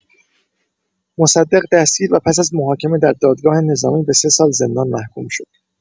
مصدق دستگیر و پس از محاکمه در دادگاه نظامی به سه سال زندان محکوم شد.